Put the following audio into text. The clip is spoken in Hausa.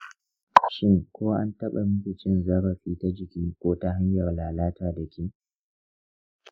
shin ko an taba maki cin zarafi ta jiki ko ta hanyar lallata da ke?